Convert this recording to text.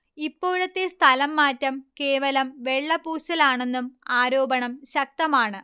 ഇപ്പോഴത്തെ സ്ഥലം മാറ്റം കേവലം വെള്ളപൂശലാണെന്നും ആരോപണം ശക്തമാണ്